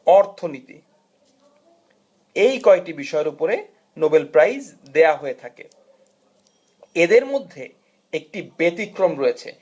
অর্থনীতি এই কয়েকটি বিষয়ের উপরে নোবেল প্রাইজ দেয়া হয়ে থাকে এদের মধ্যে একটি ব্যতিক্রম রয়েছে